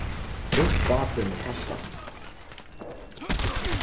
bint bátin fastan